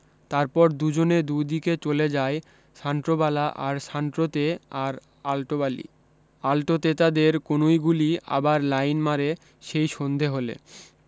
তারপর দুজনে দু দিকে চলে যায় সান্ট্রোবালা তার সান্ট্রোতে আর আলটোবালি আলটোতেতাদের কনুইগুলি আবার লাইন মারে সেই সন্ধ্যে হলে